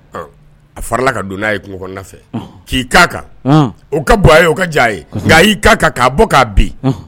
A farala don'a ye kungo fɛ k' kan o ka bɔ a ye ka diya ye nka y'i kan'a bɔ'